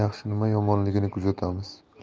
yaxshi nima yomonligini kuzatamiz